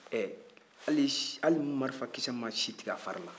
ɛɛ hali marifakisɛ ma si tigɛ a fari la